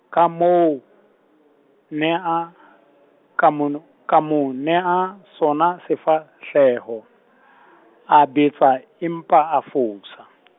ka moo , neha, ka mo no-, ka mo neha sona sefahleho , a betsa, empa a fosa .